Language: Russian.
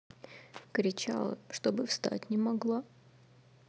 кричала чтобы встать не могла